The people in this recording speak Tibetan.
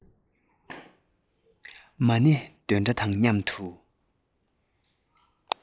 མ ཎི འདོན སྒྲ དང མཉམ དུ